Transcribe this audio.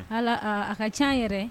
Ala a ka caan yɛrɛ